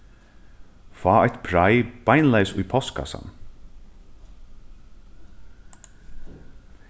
fá eitt prei beinleiðis í postkassan